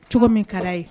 Cogomin kad'a ye